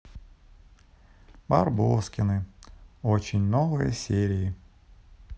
барбоскины очень новые серии